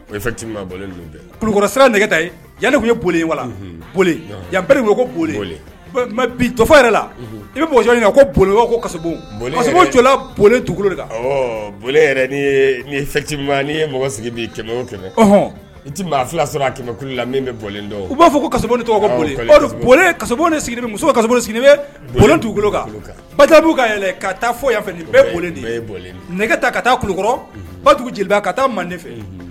O nɛgɛ tun boli wa yan bi to yɛrɛ la i bɛ bolila tu boli ninti mɔgɔ i fila saba la min bɛ u b'a fɔ ko tɔgɔ boli yɛlɛ ka taa foyi yanfɛ bɛɛ boli nɛgɛ ka taa kulukɔrɔ ba tugu jeliba ka taa mande fɛ